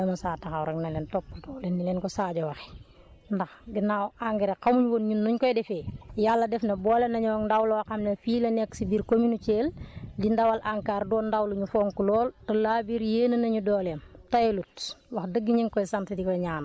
te loolu lépp danga saa taxaw rek ne leen toppatoo leen ni leen ko Sadio waxee ndax ginnaaw engrais xamuñ woon ñun niñ koy defee yàlla def na boole nañoog ndaw loo xam ne fii la nekk si biir commune Thiel di ndawal ANCAR doon ndaw lu ñu fonk lool te laabir yéene na ñu dooleem tayalut